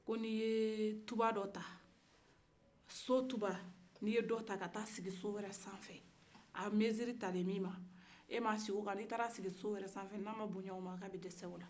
ni ye tuba dɔ ta so tuba ni ye dɔ ta ta ka t'a sigi dɔ wɛrɛla min hakɛ suman ne tɛ min ma i ka taa a sigi so wɛrɛ sanfin n'a ma boya a ma a bɛ a bɛ dɔgɔya a ma